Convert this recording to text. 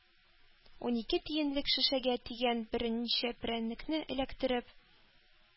Унике тиенлек шешәгә тигән берничә перәннекне эләктереп,